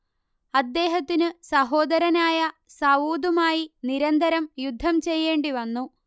അദ്ദേഹത്തിനു സഹോദരനായ സവൂദ് മായി നിരന്തരം യുദ്ധം ചെയ്യേണ്ടിവന്നു